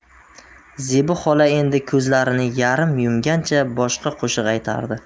zebi xola endi ko'zlarini yarim yumgancha boshqa qo'shiq aytardi